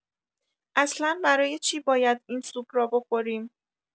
اصلا برای چی باید این سوپ را بخوریم؟